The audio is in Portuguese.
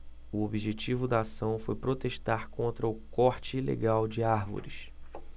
o objetivo da ação foi protestar contra o corte ilegal de árvores